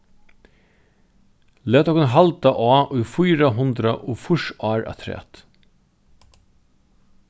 lat okkum halda á í fýra hundrað og fýrs ár afturat